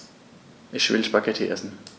Ich will Spaghetti essen.